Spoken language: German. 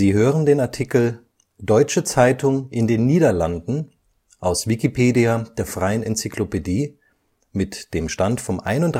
hören den Artikel Deutsche Zeitung in den Niederlanden, aus Wikipedia, der freien Enzyklopädie. Mit dem Stand vom Der